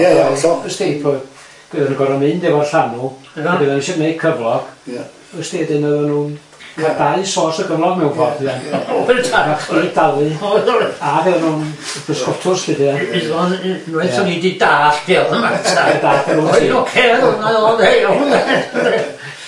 Ia hollol... wst ti... o'dda n'w'n gorfod mynd efo'r llanw ac isio gneud cyflog... Ia... Wst ti wedyn o'dda n'w'n cal dau source o gyflog mewn ffor... Ia... Chdi i dalu a mi o'dda n'w'n bysgotwrs 'lly de? Unwaith oni 'di dalld be o matar oddi'n ocê de? Iawn